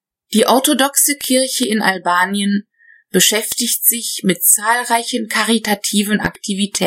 Die orthodoxe Kirche in Albanien beschäftigt sich mit zahlreichen karitativen Aktivitäten